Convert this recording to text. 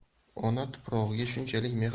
ona tuprog'iga shunchalik